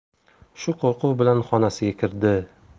shu qo'rquv bilan xonasiga kirdi